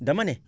dama ne